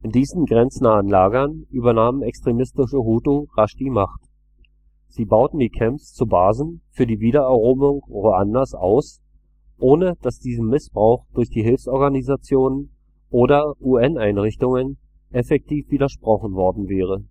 diesen grenznahen Lagern übernahmen extremistische Hutu rasch die Macht. Sie bauten die Camps zu Basen für die Wiedereroberung Ruandas aus, ohne dass diesem Missbrauch durch Hilfsorganisationen oder UN-Einrichtungen effektiv widersprochen worden wäre